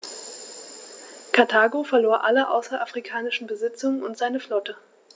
Karthago verlor alle außerafrikanischen Besitzungen und seine Flotte.